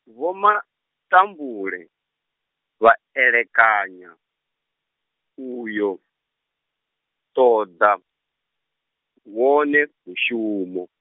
Vho Matambule, vha elekanya, uyo, ṱoḓa, wone, mushumo.